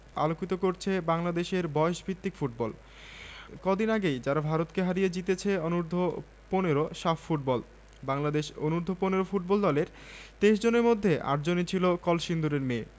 পৃষ্ঠাঃ ৭১ থেকে ৭২ collected from intermediate Bangla Bengali Clinton B Seely